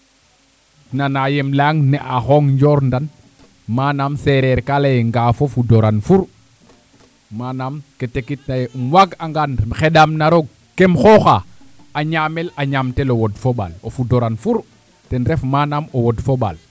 nanaa yeem layang ni'axong njoor ndan manaam seereer kaa lay e ngaaf o fud o ran fur manaam ke tekitna yee um waagangaan xeɗaam na roog kem xooxaa a ñaamel a ñaamtel o wod fo o ɓaal o fudo ran fur ten ref manaam o wod fo ɓaal